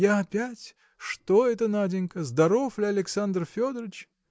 Я опять: Что это, Наденька, здоров ли Александр Федорыч!